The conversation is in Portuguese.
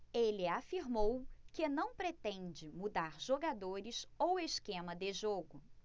ele afirmou que não pretende mudar jogadores ou esquema de jogo